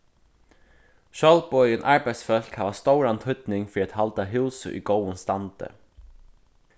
sjálvboðin arbeiðsfólk hava stóran týdning fyri at halda húsið í góðum standi